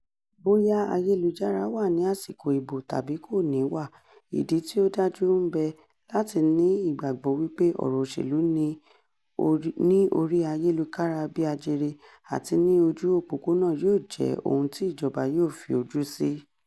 Bó yá ayélujára wà ní àsìkò ìbò tàbí kò ní í wà, ìdí tí ó dájú ń bẹ láti ní ìgbàgbọ́ wípé ọ̀rọ̀ òṣèlú ní orí ayélukára-bí-ajere àti ní ojú òpópónà yóò jẹ́ ohun tí ìjọba yóò fi ojú sí.